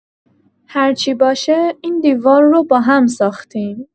هرچی باشه، این دیوار رو با هم ساختیم.